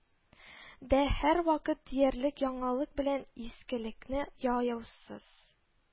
Дә һәрвакыт диярлек яңалык белән искелекнең аяусыз